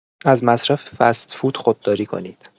از مصرف فست‌فود خودداری کنید.